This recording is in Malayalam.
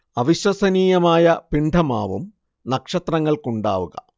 അവിശ്വസനീയമായ പിണ്ഡമാവും നക്ഷത്രങ്ങൾക്കുണ്ടാവുക